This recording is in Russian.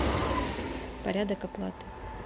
порядок оплаты